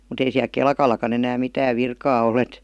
mutta ei siellä kelkallakaan enää mitään virkaa ole että